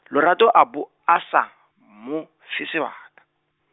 Lorato a bo, a sa, mo, fe sebaka.